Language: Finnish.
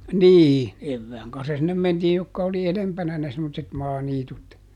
niin evään kanssa sinne mentiin jotka oli edempänä ne semmoiset maaniityt